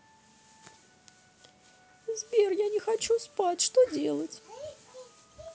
сбер я не хочу спать что делать